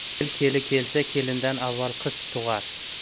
kel keli kelsa kelindan avval qiz tug'ar